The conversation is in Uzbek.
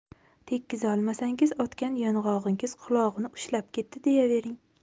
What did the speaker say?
tekkizolmasangiz otgan yong'og'ingiz qulog'ini ushlab ketdi deyavering